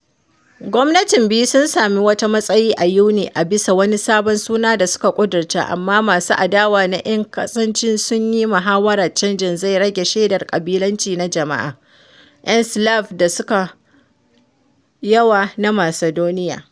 Gwamnatin biyu sun sami wata matsayi a Yuni a bisa wani sabon suna da suka ƙudurta, amma masu adawa na ‘yan kasanci sun yi mahawara canjin zai rage shaidar ƙabilanci na jama’a ‘yan Slav da suka yawa na Macedonia.